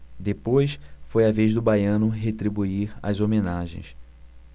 depois foi a vez do baiano retribuir as homenagens